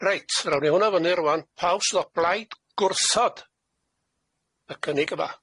Reit, yr awn ni hwn'na fyny rŵan. Pawb sydd o blaid gwrthod y cynnig yma